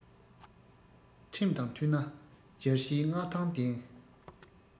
ཁྲིམས དང མཐུན ན རྒྱལ གཞིས མངའ ཐང ལྡན